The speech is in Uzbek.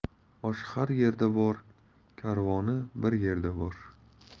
osh har yerda bor kayvoni bir yerda bor